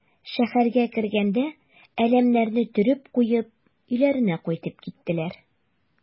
Шәһәргә кергәндә әләмнәрне төреп куеп өйләренә кайтып киттеләр.